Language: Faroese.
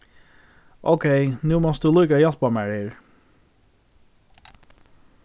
ókey nú mást tú líka hjálpa mær her